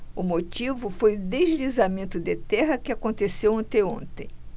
o motivo foi o deslizamento de terra que aconteceu anteontem